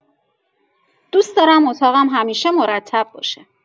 دوست دارم اتاقم همیشه مرتب باشه.